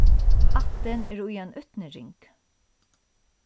ættin er í ein útnyrðing